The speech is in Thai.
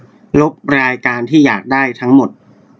ลบรายการที่อยากได้ทั้งหมด